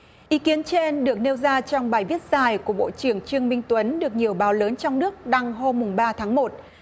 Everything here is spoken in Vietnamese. ý kiến trên được nêu ra trong bài viết dài của bộ trưởng trương minh tuấn được nhiều báo lớn trong nước đăng hôm mùng ba tháng một